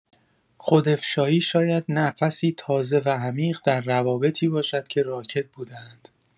خودافشایی شاید نفسی تازه و عمیق در روابطی باشد که راکد بوده‌اند.